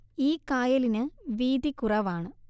ഈ കായലിന് വീതികുറവാണ്